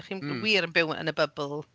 Dach chi... mm. ...wir yn byw yn y bybl.